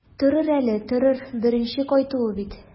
Торыр әле, торыр, беренче кайтуы бит.